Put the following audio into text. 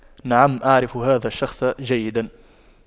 نعم اعرف هذا الشخص جيدا